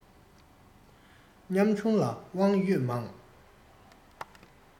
སྙོམས ཆུང ལ དབང ཡོད མང